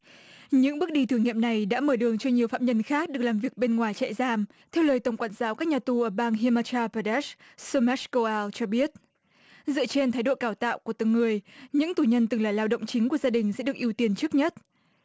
những bước đi thử nghiệm này đã mở đường cho nhiều phạm nhân khác được làm việc bên ngoài trại giam theo lời tổng quản giáo các nhà tù ở bang hi man tra vơ đét sơ mét cơ ao cho biết dựa trên thái độ đào tạo của từng người những tù nhân từng là lao động chính của gia đình sẽ được ưu tiên trước nhất